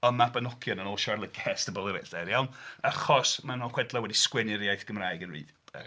Y Mabinogion yn ôl Charlotte Guest a bobl eraill, 'de, iawn. Achos maen nhw'n chwedlau wedi sgwennu i'r iaith Cymraeg yn wreidd-.